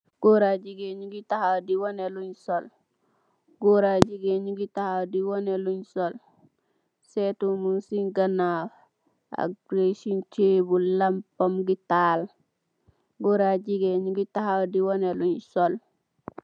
Gór ak gigeen ñugi taxaw di waneh luñ sol, settu mugeh seen ganaw ak dressing table.